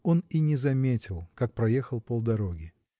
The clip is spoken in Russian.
он и не заметил, как проехал полдороги.